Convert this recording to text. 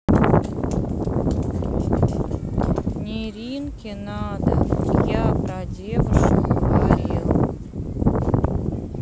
не ринки надо я про девушек говорил